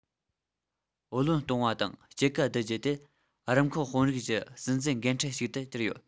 བུ ལོན གཏོང བ དང སྐྱེད ཀ བསྡུ རྒྱུ དེ རིམ ཁག དཔོན རིགས ཀྱི སྲིད འཛིན འགན འཁྲི ཞིག ཏུ གྱུར ཡོད